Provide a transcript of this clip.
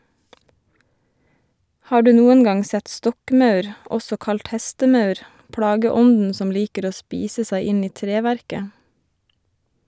Har du noen gang sett stokkmaur, også kalt hestemaur, plageånden som liker å spise seg inn i treverket?